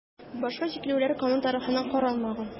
Башка чикләүләр канун тарафыннан каралмаган.